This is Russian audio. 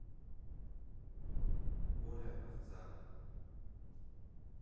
оля овца